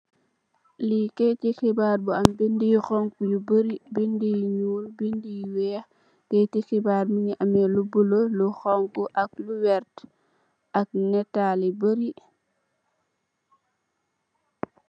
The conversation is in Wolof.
Li keyti xibaar bu am binda yu xonxu yu bari binda yu nuul binda yu weex keyti xibaar mogi ame lu bulo lu xonxu ak lu werta ak netal yu bari.